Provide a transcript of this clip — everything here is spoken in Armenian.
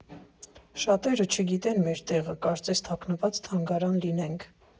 Շատերը չգիտեն մեր տեղը, կարծես թաքնված թանգարան լինենք.